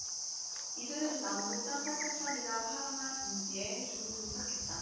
이들은 남부 산타카타리나 파라나 등지에 주로 정착했다